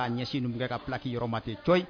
K'a ɲɛsin ninnuugu kɛ ka paki yɔrɔma tɛ to